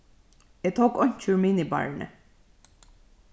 eg tók einki úr minibarrini